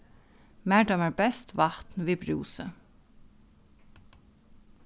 mær dámar best vatn við brúsi